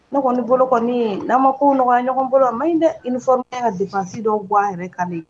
Ne kɔni bolo kɔni n'a ma ko nɔgɔ ɲɔgɔn bolo ma in tɛ i fɔ ka defasi dɔ a yɛrɛ ka di